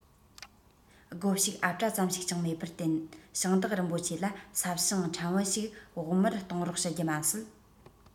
སྒོ ཕྱུགས ཨབ བྲ ཙམ ཞིག ཀྱང མེད པར བརྟེན ཞིང བདག རིན པོ ཆེ ལ ས ཞིང ཕྲན བུ ཞིག བོགས མར གཏོང རོགས ཞུ རྒྱུ མ ཟད